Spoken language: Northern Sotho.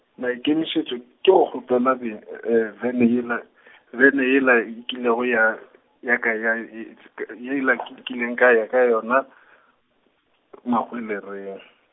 maikemišetšo, ke go kgopela be , bene yela , bene yela nkilego ya, ya ka ya ye , yela nkilego ka ya ka yona, Mahwelereng.